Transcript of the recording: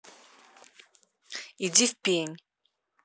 иди в пень